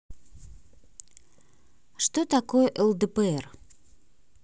что такое лдпр